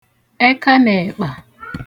ẹkanẹẹkpa